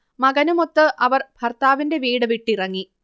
മകനുമൊത്ത് അവർ ഭർത്താവിന്റെ വീട് വിട്ടിറങ്ങി